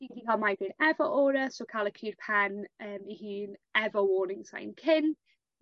Ti 'llu ca'l migraine efo aura so ca'l y cur pen yym 'i hun efo warning sign cyn.